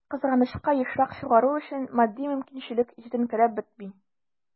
Кызганычка, ешрак чыгару өчен матди мөмкинчелек җитенкерәп бетми.